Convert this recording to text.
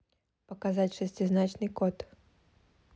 показать шестизначный код